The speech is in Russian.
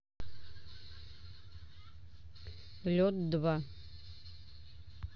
лед два